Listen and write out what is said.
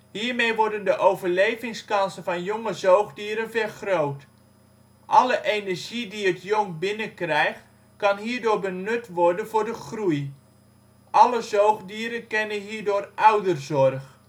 Hiermee worden de overlevingskansen van jonge zoogdieren vergroot. Alle energie die het jong binnenkrijgt kan hierdoor benut worden voor de groei. Alle zoogdieren kennen hierdoor ouderzorg